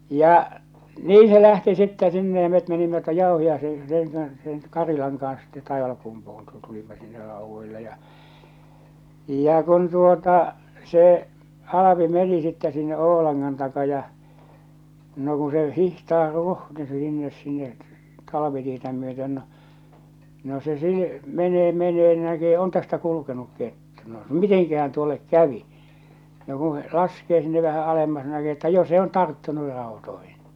ja niin se lähti sitten sinne ja me menimme tuon Jauhiaisen sen kanssa sen Karilan kanssa sitten Taivalkumpuun - tulimme sinne raudoille ja ja kun tuota se Alpi meni sitten sinne Oulangan taa ja no kun se hiihtää ruhni sinne sinne talvitietä myöten no no se - menee menee niin näkee on tästä kulkenut kettu no mitenkähän tuolle kävi no kun se laskee sinne vähän alemmas no näkee että jo se on tarttunut rautoihin